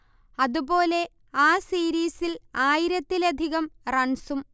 അതുപോലെ ആ സീരീസിൽ ആയിരത്തിലധികം റൺസും